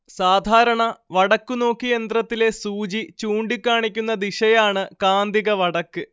സാധാരണ വടക്കുനോക്കിയന്ത്രത്തിലെ സൂചി ചൂണ്ടികാണിക്കുന്ന ദിശയാണ് കാന്തിക വടക്ക്